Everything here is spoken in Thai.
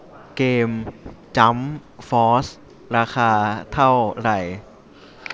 เกมจั้มฟอสราคาเท่าไหร่